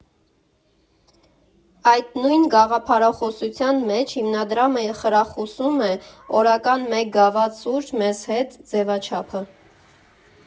Այդ նույն գաղափարախոսության մեջ, հիմնադրամը խրախուսում է «Օրական մեկ գավաթ սուրճ մեզ հետ» ձևաչափը։